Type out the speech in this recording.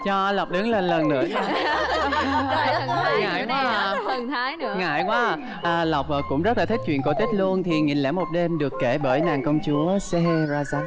cho lộc đứng lên lần nữa nha ngại quá à ngại quá à à lộc cũng rất là thích truyện cổ tích luôn thì nghìn lẻ một đêm được kể bởi nàng công chúa xê hê ra dát